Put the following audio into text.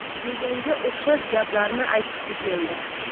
deganga o'xshash gaplarni aytgisi keldi